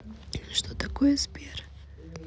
что такое сбер